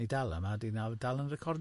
Ni dal yma, dwi nawr dal yn recordio.